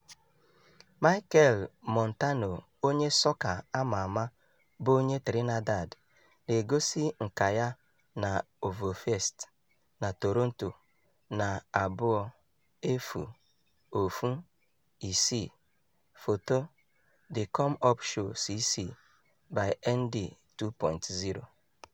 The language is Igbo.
Michel Montano onye sọka a ma-ama bụ onye Trinidad na-egosi nka ya na OVO Fest na Toronto na 2016. FOTO: The Come Up Show (CC BY-ND 2.0)